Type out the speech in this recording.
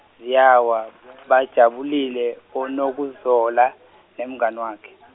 ziyawa, bajabulile, boNokuzola, nemngani wakhe.